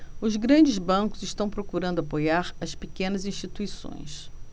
os grandes bancos estão procurando apoiar as pequenas instituições